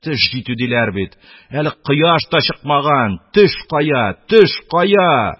Төш җитү, диләр бит, әле кояш та чыкмаган, төш кая, төш кая!